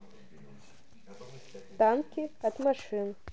танки от машин